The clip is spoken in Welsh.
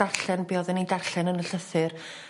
darllen be' odden i darllen yn y llythyr.